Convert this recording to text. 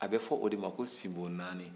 a bɛ fɔ o de ma ko sinbo naani